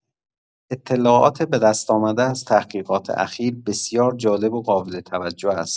اطلاعات به‌دست‌آمده از تحقیقات اخیر بسیار جالب و قابل‌توجه است.